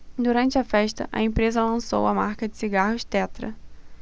durante a festa a empresa lançou a marca de cigarros tetra